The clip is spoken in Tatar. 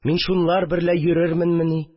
Мин шунлар берлә йөрерменмени